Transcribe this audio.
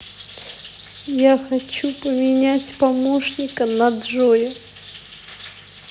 я хочу поменять помощника на джоя